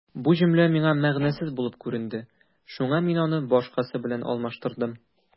Бу җөмлә миңа мәгънәсез булып күренде, шуңа мин аны башкасы белән алмаштырдым.